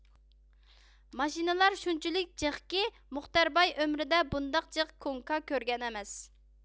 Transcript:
ماشىنىلار شۇنچىلىك جىقكى مۇختەر باي ئۆمرىدە بۇنداق جىق كوڭكا كۆرگەن ئەمەس